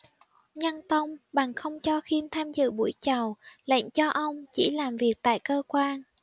nhân tông bèn không cho khiêm tham dự buổi chầu lệnh cho ông chỉ làm việc tại cơ quan